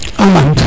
amende